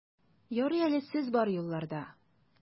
Ярый әле сез бар юлларда!